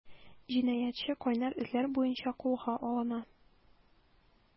Җинаятьче “кайнар эзләр” буенча кулга алына.